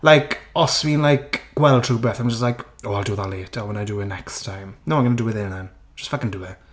Like os fi'n like gweld rhywbeth and I'm just like, "Oh I'll do that later when I do it next time." No I'm going to do it there and then. Just fucking do it.